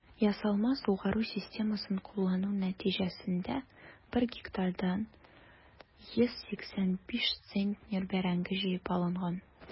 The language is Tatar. Ясалма сугару системасын куллану нәтиҗәсендә 1 гектардан 185 центнер бәрәңге җыеп алынган.